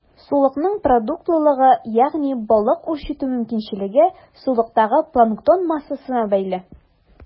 Сулыкның продуктлылыгы, ягъни балык үрчетү мөмкинчелеге, сулыктагы планктон массасына бәйле.